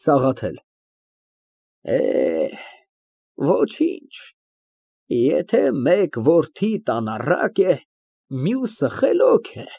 ՍԱՂԱԹԵԼ ֊ Է, ոչինչ, եթե մեկ որդիդ անառակ է, մյուսը խելոք է։